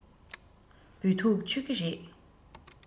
བོད ཐུག མཆོད ཀྱི རེད